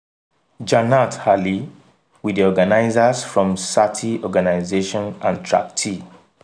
Jannat Ali with the organizers from Sathi organization and Track-T.